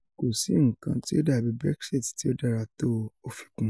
Kòsí nǹkan tí ó dàbí Brexit tí ó dára tó o,’o fi kun.